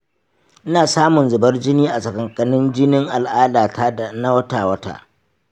ina samun zubar jini a tsakankanin jinin al’adata na wata-wata.